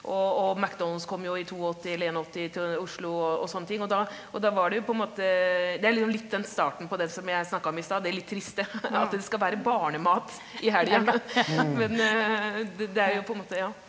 og og McDonalds kom jo i 82 eller 81 til Oslo og sånne ting, og da og da var det jo på en måte , det er liksom litt den starten på det som jeg snakka om i stad, det litt triste at det skal være barnemat i helga, men det er jo på en måte ja.